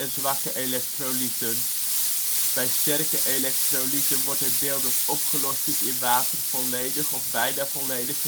zwakke elektrolyten. Bij sterke elektrolyten wordt het deel dat opgelost is in water volledig of bijna volledig